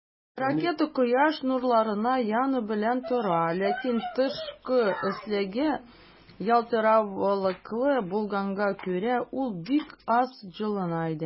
Ракета Кояш нурларына яны белән тора, ләкин тышкы өслеге ялтыравыклы булганга күрә, ул бик аз җылына иде.